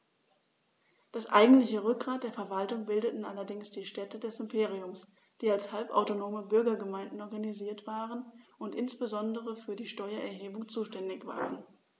Das eigentliche Rückgrat der Verwaltung bildeten allerdings die Städte des Imperiums, die als halbautonome Bürgergemeinden organisiert waren und insbesondere für die Steuererhebung zuständig waren.